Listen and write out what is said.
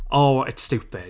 Oh it's stupid.